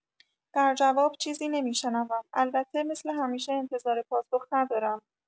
در جواب چیزی نمی‌شنوم؛ البته مثل همیشه انتظار پاسخ ندارم.